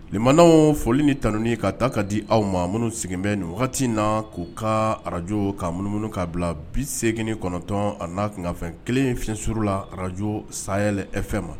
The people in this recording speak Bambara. Tilemanaw foli ni taununi ka ta ka di aw ma minnu sigilenbɛn nin wagati in na k'u ka ararajo ka minnuumunu kaa bila biseegin kɔnɔntɔn a n'a kanganfɛn kelen f suru la arajo sayayɛlɛ e fɛ ma